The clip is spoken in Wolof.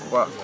waaw